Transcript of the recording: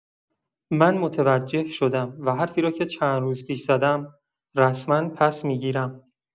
من متوجه شدم و حرفی را که چند روز پیش زدم، رسما پس‌می‌گیرم.